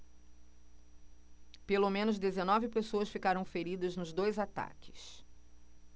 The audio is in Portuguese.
pelo menos dezenove pessoas ficaram feridas nos dois ataques